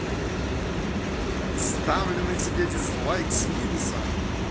ставлю на тебе дизлайк с минусом